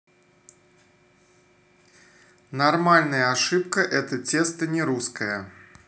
нормальная ошибка это тесто не русская